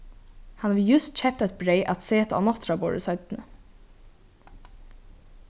hann hevur júst keypt eitt breyð at seta á nátturðaborðið seinni